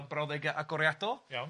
brawddega agoriadol... Iawn...